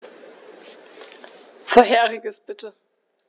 Vorheriges bitte.